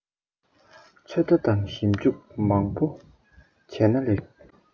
ཚོད ལྟ དང ཞིམ འཇུག མང པོ བྱས ན ལེགས